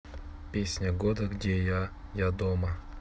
песня года где я я дома